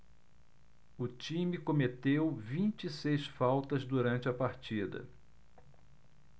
o time cometeu vinte e seis faltas durante a partida